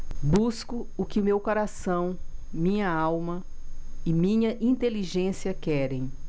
busco o que meu coração minha alma e minha inteligência querem